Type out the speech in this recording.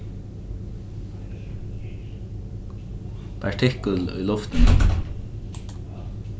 partikkul í luftini